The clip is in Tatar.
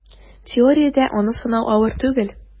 Теориядә аны санау авыр түгел: